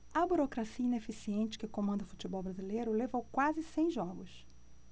a burocracia ineficiente que comanda o futebol brasileiro levou quase cem jogos